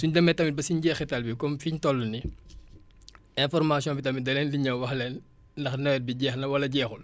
suñ demee tamit ba si njeexital bi comme iñ toll nii information bi tamit da leen di ñëw wax leen ndax nawet bi jeex na wala jeexul